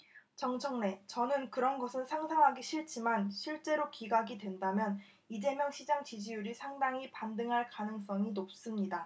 정청래 저는 그런 것은 상상하기 싫지만 실제로 기각이 된다면 이재명 시장 지지율이 상당히 반등할 가능성이 높습니다